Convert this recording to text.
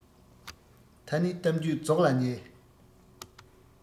ད ནི གཏམ རྒྱུད རྫོགས ལ ཉེ